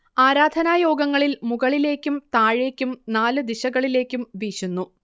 ആരാധനായോഗങ്ങളിൽ മുകളിലേക്കും താഴേയ്ക്കും നാല് ദിശകളിലേക്കും വീശുന്നു